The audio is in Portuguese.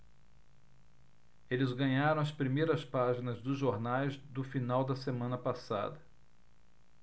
eles ganharam as primeiras páginas dos jornais do final da semana passada